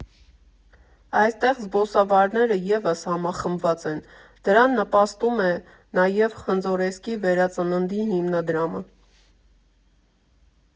Այստեղ զբոսավարները ևս համախմբված են, դրան նպաստում է նաև «Խնձորեսկի վերածննդի հիմնադրամը»։